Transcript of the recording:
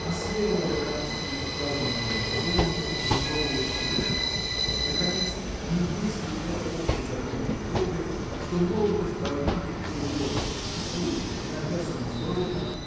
а следовали рабски указанному направлению не пробуя сил? Наконец не есть ли это общий закон природы что молодость должна быть тревожна кипуча иногда сумасбродна